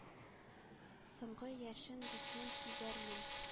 Соңгы яшен дусның сизәрмен.